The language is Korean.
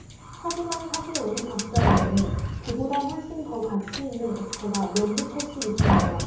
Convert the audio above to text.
하지만 사실 우리 각자에게는 그보다 훨씬 더 가치 있는 액체가 몇 리터씩 있습니다